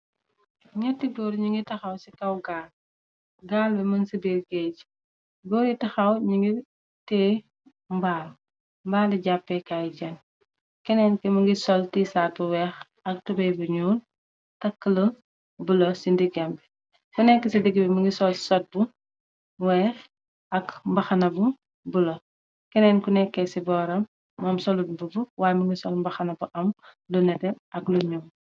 Netti góor ñu ngi taxaw ci kaw gaal gaalbe mën ci biir gée ji goor i taxaw ñu ngir tee mbaal mbaali jàppee kay jen kenneen ki mi ngi sol tiisaatu weex ak tube bu ñuu takkla bu lo ci digam bi ku nekk ci digg bi mi ngi sol sot bu weex ak mbaxanabu bulo kenneen ku nekk ci booram moom solut bu b waay mi ngi sol mbaxana bu am lu nete ak lu ñum.